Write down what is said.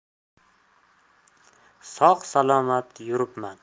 sog' salomat yuribman